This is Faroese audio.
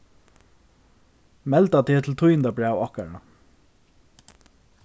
melda teg til tíðindabræv okkara